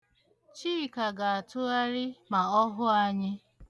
Chika ga-atụgharị ma ọ hụ anyị.